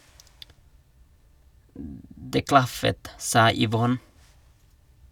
Det klaffet , sa Yvonne.